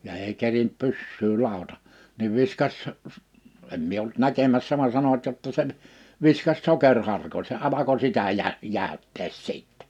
ja ei kerinnyt pyssyä ladata niin viskasi - en minä ollut näkemässä vaan sanovat jotta sen viskasi sokeriharkon se alkoi sitä - jäytää sitten